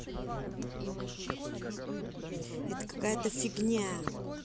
это какая то фигня